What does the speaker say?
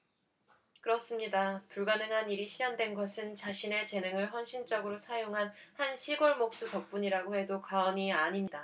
그렇습니다 불가능한 일이 실현된 것은 자신의 재능을 헌신적으로 사용한 한 시골 목수 덕분이라고 해도 과언이 아닙니다